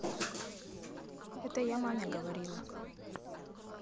это я маме говорила